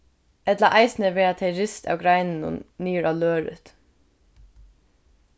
ella eisini verða tey rist av greinunum niður á lørift